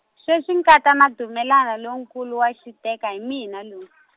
sweswi nkata Madumelani lonkulu wa xiteka hi mina lo-.